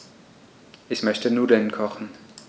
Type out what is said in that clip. Ich möchte Nudeln kochen.